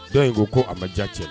Dɔw ko ko a ma diya cɛ